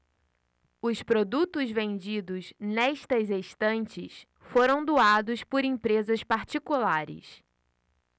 os produtos vendidos nestas estantes foram doados por empresas particulares